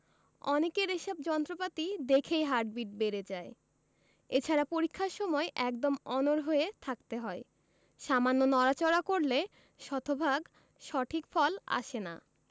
অনেকের এসব যন্ত্রপাতি দেখেই হার্টবিট বেড়ে যায় এছাড়া পরীক্ষার সময় একদম অনড় হয়ে থাকতে হয় সামান্য নড়াচড়া করলে শতভাগ সঠিক ফল আসে না